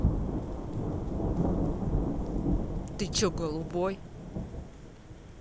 ты че голубой